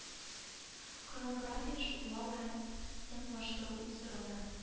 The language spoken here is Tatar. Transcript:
Коронарография шунтлау һәм стентлаштыру уздырылды